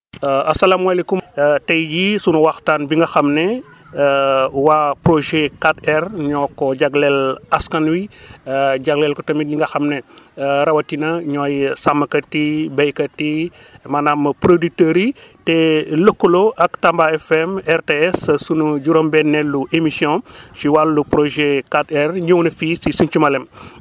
asalaamaleykum tey jii sunu waxtaan bi nga xam ne waa projet 4R ñoo ko jagleel askan wi jagleel ko tamit ñi nga xam ne rawatina ñooy sàmmkat yi béykat yi maanaam producteurs yi te lëkkaloo ak Tamba FM RTS sunu juróom-benneelu émission si wàllu projet 4R ñëw na fii ci Sinthiou Malem